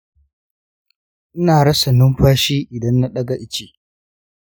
ina rasa numfashi idan na ɗaga iche.